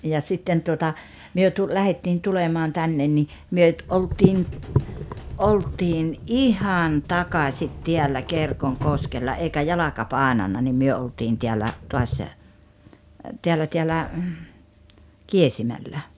ja sitten tuota me - lähdettiin tulemaan tänne niin me - oltiin oltiin ihan takaisin täällä Kerkonkoskella eikä jalka painanut niin me oltiin täällä taas täällä täällä Kiesimällä